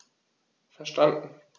Verstanden.